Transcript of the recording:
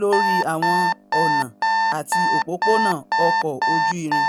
lórí àwọn ọ̀nà àti opópónà ọkọ̀ ojú-irin